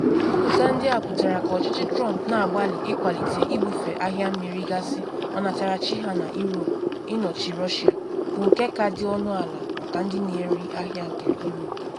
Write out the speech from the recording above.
Nkwuputa ndị a pụtara ka ọchịchị Trump na-agbalị ịkwalite ibufe ahịa mmiri gaasị ọnatarachi ha na Europe, ịnọchi Russia, bụ nke ka dị ọnụala maka ndị na-eri ahịa nke Europe.